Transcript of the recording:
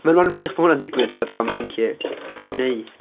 Ma- ma'n wych pan ma' hwnna'n digwydd, tibod, pan ti'n gallu gwneud...